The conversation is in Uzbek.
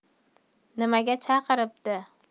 nimaga chaqiribdi